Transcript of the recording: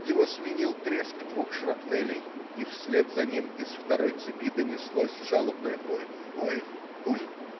Его сменил треск двух шрапнелей, и вслед за ним из второй цепи донеслось жалобное "ой. ой. ой. ".